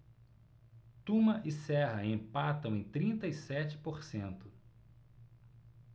tuma e serra empatam em trinta e sete por cento